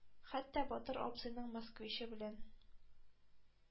Хәтта Батыр абзыйның ”Москвич“ы белән